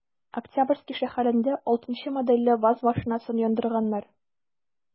Октябрьский шәһәрендә 6 нчы модельле ваз машинасын яндырганнар.